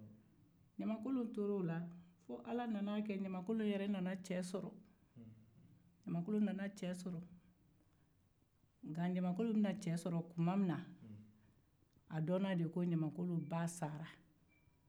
ɲamankolon tora o la fo ala nan'a kɛ ɲamankolon yɛrɛ nana cɛ sɔrɔ nka ɲamankolon be na ce sɔrɔ tu ma min na a dɔnna de ko a ba sara